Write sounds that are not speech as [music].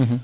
[hesitation] [hesitation]